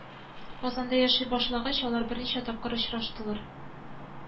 Казанда яши башлагач алар берничә тапкыр очраштылар